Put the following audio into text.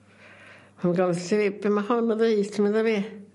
be' ma' hon yn ddeud medda fi.